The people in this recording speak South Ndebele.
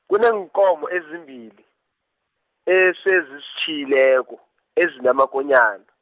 kuneenkomo ezimbili, esezisitjhiyileko, ezinamakonyana.